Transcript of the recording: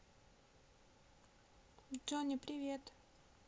джонни привет